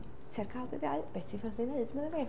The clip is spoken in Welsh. Ti ar gael dydd Iau? Be ti ffansi wneud? medda fi.